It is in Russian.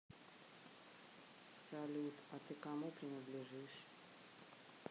салют а ты кому принадлежишь